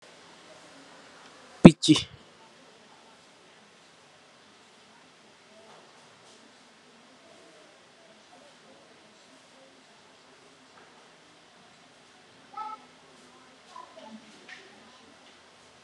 Pichih